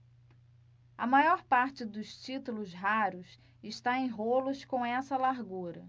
a maior parte dos títulos raros está em rolos com essa largura